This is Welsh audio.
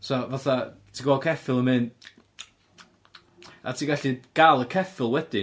So fatha ti'n gweld ceffyl yn mynd a ti'n gallu gael y ceffyl wedyn...